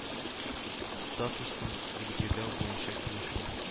Статусын билгеләү буенча килешү